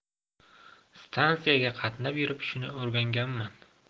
stansiyaga qatnab yurib shuni o'rganganman